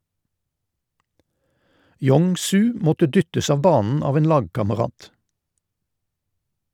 Yong-su måtte dyttes av banen av en lagkamerat.